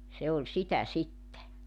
se oli sitä sitten